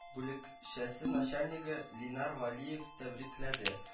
Бүлек чәсе начальнигы линар вәлиев тәбрикләде